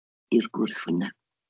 I'r gwrthwyneb.